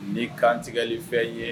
Ni kantigɛli fɛn ye